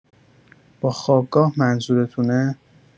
با خوابگاه منظورتونه؟